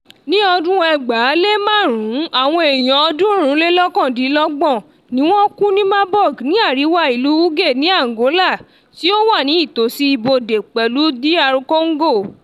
Ní ọdún 2005 àwọn èèyàn 329 ni wọ́n kú ní Maburg ní àríwá ìlú Uige ní Angola, tí ó wà ní ìtòsí ibodè pẹ̀lú DR Congo.